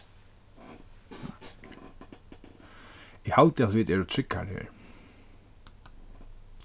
eg haldi at vit eru tryggar her